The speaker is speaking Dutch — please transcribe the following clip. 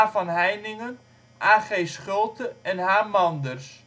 van Heiningen, A.G. Schulte en H. Manders